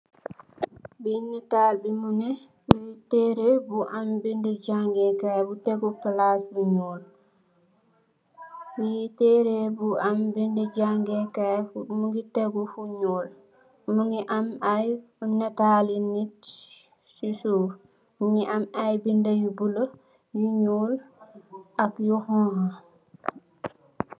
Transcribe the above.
Bi netal bi moneh teereh bo am benda jangeh kai bu tecku palac bu maal li tereh bu am bendu jangeh kai mogi tegu fo nuul mogi am ay netali neet si suuf mogi am ay benda yu bulo yu nuul ak yu xonxa.